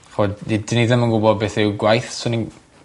ch'od 'dy- 'dyn ni ddim yn gwbod beth yw gwaith so ni'n